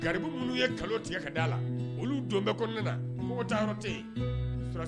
Gari